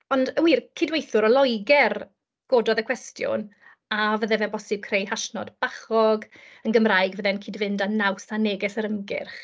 Ond wir, cydweithiwr o Loegr gododd y cwestiwn a fyddai fe'n bosib creu hashnod bachog, yn Gymraeg fyddai'n cydfynd â naws a neges yr ymgyrch.